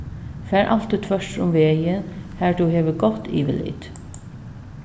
far altíð tvørtur um vegin har tú hevur gott yvirlit